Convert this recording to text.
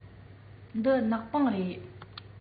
འདི ནག པང རེད